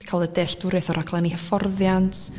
ca'l y dealldwrieth o raglenni hyfforddiant